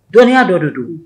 Dɔɔninya dɔ don don